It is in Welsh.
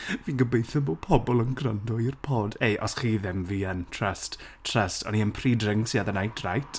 Fi'n gobeithio bod pobl yn gwrando i'r pod ei, os chi ddim fi yn trust, trust. O'n i'n pre drinks the other night right.